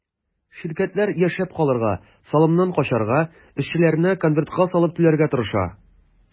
Ширкәтләр яшәп калырга, салымнан качарга, эшчеләренә конвертка салып түләргә тырыша.